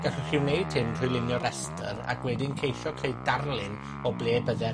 Gallwch chi wneud hyn trwy lunio restyr, ac wedyn ceisio creu darlun o ble bydde'r